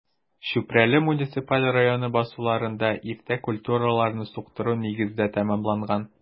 Чүпрәле муниципаль районы басуларында иртә культураларны суктыру нигездә тәмамланган.